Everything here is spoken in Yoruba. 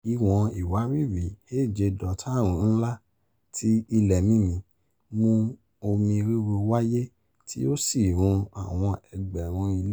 Ìwọ̀n ìwàrìrì 7.5-ńlá tí ilẹ mímì mú omi rírú wáyé tí ó sì run àwọn ẹgbẹrún ilé.